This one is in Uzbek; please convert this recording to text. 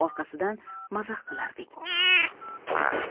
orqasidan mazax qilardik